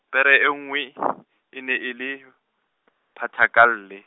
pere e nngwe, e ne e le, phathakalle.